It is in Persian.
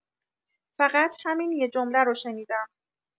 فقط همین یه جمله رو شنیدم.